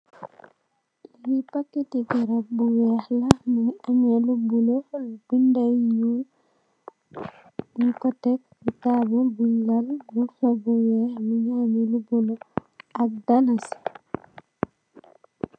Lii packeti garab bu wekh la, mungy ameh lu bleu, binda yu njull, njung kor tek cii taabul bungh lal morsoh bu wekh mungy ameh lu bleu ak dahnas.